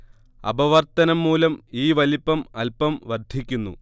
അപവർത്തനം മൂലം ഈ വലിപ്പം അൽപം വർദ്ധിക്കുന്നു